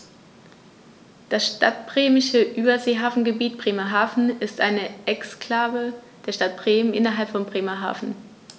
Das Stadtbremische Überseehafengebiet Bremerhaven ist eine Exklave der Stadt Bremen innerhalb von Bremerhaven.